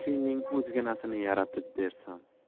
kuyning o'zginasini yaratib bersam